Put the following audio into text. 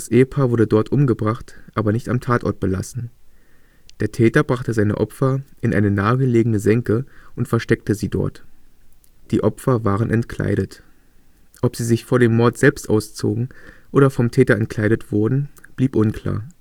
Ehepaar wurde dort umgebracht, aber nicht am Tatort belassen. Der Täter brachte seine Opfer in eine nahegelegene Senke und versteckte sie dort. Die Opfer waren entkleidet. Ob sie sich vor dem Mord selbst auszogen oder vom Täter entkleidet wurden, blieb unklar